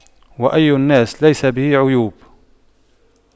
وأي الناس ليس به عيوب